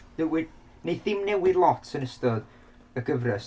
W- e- wneith hi'm newid lot yn ystod y gyfres.